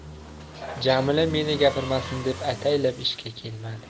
jamila meni gapirmasin deb ataylab ishga kelmadi